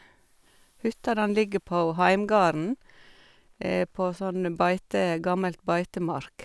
Hytta den ligger på heimgarden, på sånn beite gammelt beitemark.